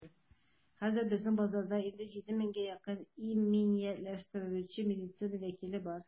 Хәзер безнең базада инде 7 меңгә якын иминиятләштерүче медицина вәкиле бар.